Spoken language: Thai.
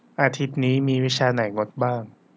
อาทิตย์นี้มีวิชาไหนงดบ้าง